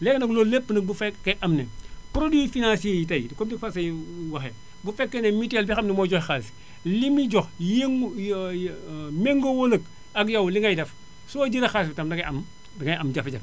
léegi nag loolu lépp nag bu fekkee am na produits financier yi tey comme ni Fatou Seye waxee bu fekkee ne mutuel bi xam ne mooy joxe xaalis li muy jox ye méngoowul ak yow li ngay def soo jëlee xaalis bi itam dangay am dangay am jafe-jafe